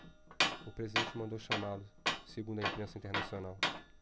o presidente mandou chamá-lo segundo a imprensa internacional